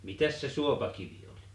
mitäs se suopakivi oli